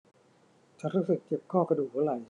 ฉันรู้สึกเจ็บข้อกระดูกหัวไหล่